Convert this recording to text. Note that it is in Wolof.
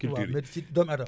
waaw mais si doomi aadama